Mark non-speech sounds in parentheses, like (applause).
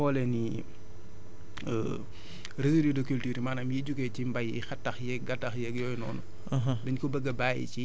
parce que (hesitation) bu ñu xoolee ni (hesitation) (breath) résidus de culture maanaam yiy jugee ci mbay yi xettax yeeg gattax yeeg yooyu noonu